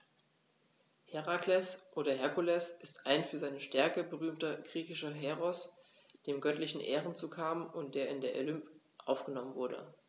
Herakles oder Herkules ist ein für seine Stärke berühmter griechischer Heros, dem göttliche Ehren zukamen und der in den Olymp aufgenommen wurde.